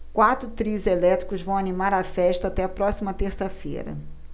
quatro trios elétricos vão animar a festa até a próxima terça-feira